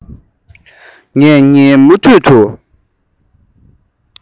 ཞིང ཁ གཞན ཞིག ཏུ སླེབས